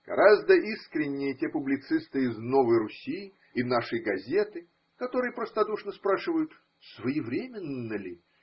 Гораздо искреннее те публицисты из Новой Руси и Нашей Газеты, которые простодушно спрашивают: своевременно ли?